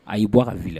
A yi bɔ a ka vi la.